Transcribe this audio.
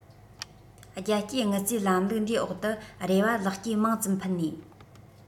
རྒྱལ སྤྱིའི དངུལ རྩའི ལམ ལུགས འདིའི འོག ཏུ རེ བ ལེགས སྐྱེས མང ཙམ ཕུལ ནས